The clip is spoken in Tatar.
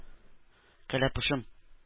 Кәләпүшем